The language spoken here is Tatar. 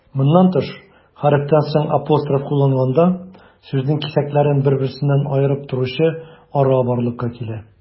Моннан тыш, хәрефтән соң апостроф кулланганда, сүзнең кисәкләрен бер-берсеннән аерып торучы ара барлыкка килә.